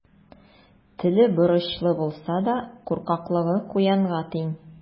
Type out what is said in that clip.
Теле борычлы булса да, куркаклыгы куянга тиң.